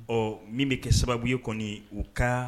- Bon min bɛ kɛ sababu ye kɔnni, u ka